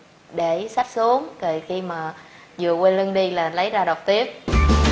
để sách xuống rồi khi mà vừa quay lưng đi là lấy ra đọc tiếp